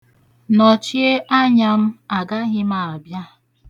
Nọchie anya m, agaghị m abịa.